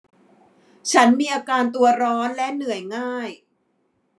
ฉันมีอาการตัวร้อนและเหนื่อยง่าย